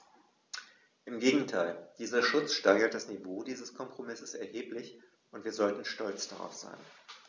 Im Gegenteil: Dieser Schutz steigert das Niveau dieses Kompromisses erheblich, und wir sollten stolz darauf sein.